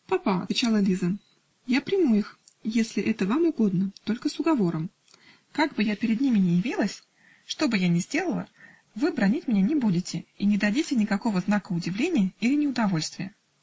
"Папа, -- отвечала Лиза, -- я приму их, если это вам угодно, только с уговором: как бы я перед ними ни явилась, что б я ни сделала, вы бранить меня не будете и не дадите никакого знака удивления или неудовольствия".